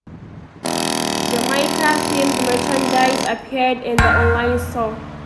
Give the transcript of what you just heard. Jamaica-themed merchandise appeared in the online store